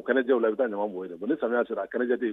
O kɛnɛjɛ la bɛ taa bɔ ye ni y'a sɔrɔ ajɛ